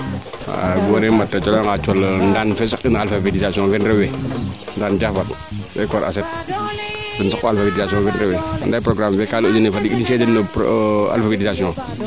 xa'a goor we mat a cela nda col Ndane fee saq ina alphabetisation fee rew we Ndane Diafat fee kor Asette ten saq u alphabetisation fee rew we ande programme fee kaa ley uye fat i initier no alphabetisation